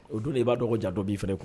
O don de i b'a dɔgɔ ja dɔ b'i fɛ kuwa